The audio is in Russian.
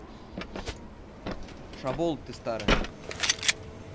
шаболда ты старая